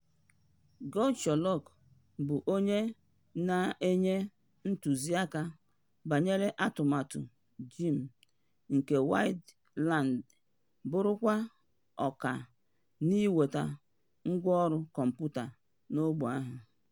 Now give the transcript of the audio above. GunChleoc bụ onye na-enye ntụziaka banyere atụmatụ gem nke Widelands. Bụrụkwa ọkà n'iweta ngwaọrụ kọmputa n'ógbè ahụ.